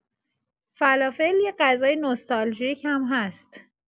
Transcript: فلافل یه غذای نوستالژیک هم هست.